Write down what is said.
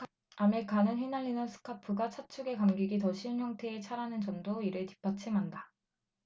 아밀카는 휘날리는 스카프가 차축에 감기기 더 쉬운 형태의 차라는 점도 이를 뒷받침한다